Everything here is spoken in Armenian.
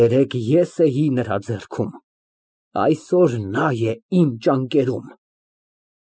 Երեկ ես էի նրա ձեռքում, այսօր նա է իմ ճանկերում։